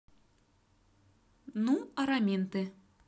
ну араминты